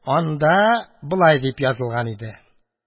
Анда болай дип язылган иде: